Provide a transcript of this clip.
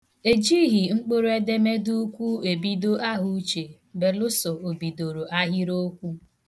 Ejighị mkpụrụedemede ukwu ebido ahauche belụsọ o bidoro ahịrịokwu.